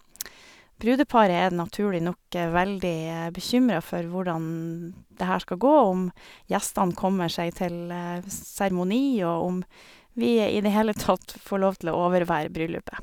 Brudeparet er naturlig nok veldig bekymret for hvordan det her skal gå, og om gjestene kommer seg til seremoni, og om vi i det hele tatt får lov til å overvære bryllupet.